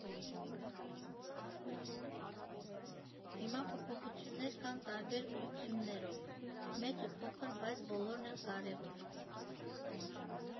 Հիմա փոփոխություններ կան տարբեր ուղղություններով, մեծ ու փոքր, բայց բոլորն էլ կարևոր։